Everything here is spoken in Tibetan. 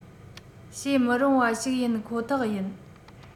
བྱེད མི རུང བ ཞིག ཡིན ཁོ ཐག ཡིན